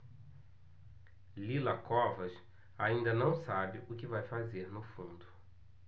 lila covas ainda não sabe o que vai fazer no fundo